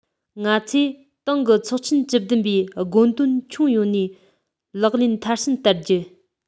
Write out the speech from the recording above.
ང ཚོས ཏང གི ཚོགས ཆེན བཅུ བདུན པའི དགོངས དོན ཁྱོན ཡོངས ནས ལག ལེན མཐར ཕྱིན བསྟར རྒྱུ